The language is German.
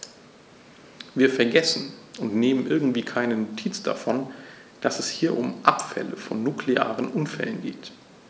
Wir vergessen, und nehmen irgendwie keine Notiz davon, dass es hier um Abfälle von nuklearen Unfällen geht.